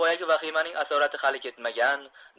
boyagi vahimaning asorati hali ketmagan